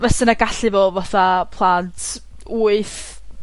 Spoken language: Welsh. fysa 'na gallu fo' fatha plant wyth